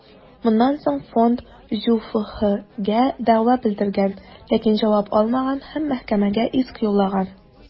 Моннан соң фонд ҖҮФХгә дәгъва белдергән, ләкин җавап алмаган һәм мәхкәмәгә иск юллаган.